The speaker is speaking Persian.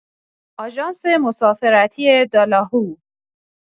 آژانس مسافرتی دالاهو؟!